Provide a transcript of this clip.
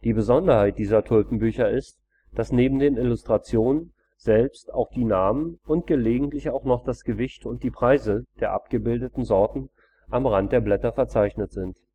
Besonderheit dieser Tulpenbücher ist, dass neben den Illustrationen selbst auch die Namen und gelegentlich auch noch das Gewicht und die Preise der abgebildeten Sorten am Rand der Blätter verzeichnet sind